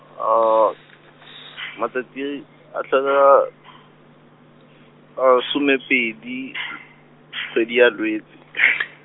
matsatsi a tlhola, some pedi , kgwedi ya Lwetse .